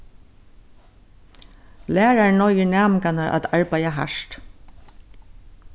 lærarin noyðir næmingarnar at arbeiða hart